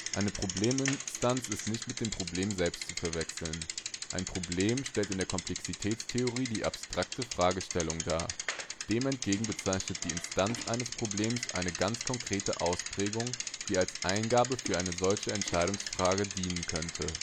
Eine Probleminstanz ist nicht mit dem Problem selbst zu verwechseln. Ein Problem stellt in der Komplexitätstheorie die abstrakte Fragestellung dar. Dem entgegen bezeichnet die Instanz eines Problems eine ganz konkrete Ausprägung, die als Eingabe für eine solche Entscheidungsfrage dienen könnte